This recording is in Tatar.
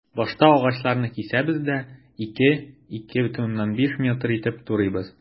Башта агачларны кисәбез дә, 2-2,5 метр итеп турыйбыз.